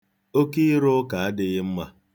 Oke ịrụ ụka adịghị mma.